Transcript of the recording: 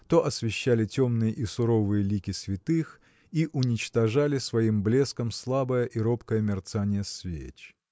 то освещали темные и суровые лики святых и уничтожали своим блеском слабое и робкое мерцание свеч.